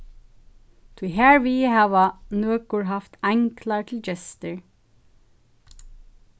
tí harvið hava nøkur havt einglar til gestir